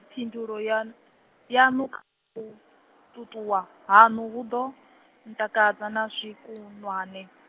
Phindulo yan-, yaṋu u tutuwa haṋu, hu ḓo, ntakadza na zwikunwane.